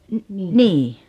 niinkö